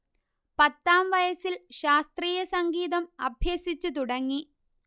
പത്താം വയസിൽ ശാസ്ത്രീയ സംഗീതം അഭ്യസിച്ചു തുടങ്ങി